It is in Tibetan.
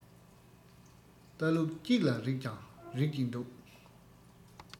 ལྟ ལུགས གཅིག ལ རིགས ཀྱང རིགས གཅིག འདུག